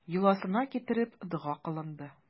Йоласына китереп, дога кылынды.